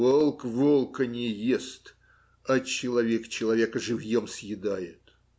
Волк волка не ест, а человек человека живьем съедает.